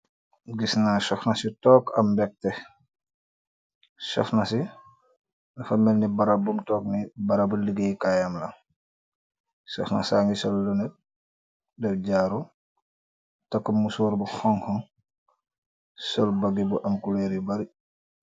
Gisna sokhna su tok am mbekte, sokhnasi dafa melni barab bum tok nii barabu ligaye kaayam la, sokhna saangi sol lunet, def jaarou, takue musoor bu honhu, sol bagi bu am couleur yu bari.